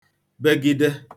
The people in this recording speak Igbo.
begide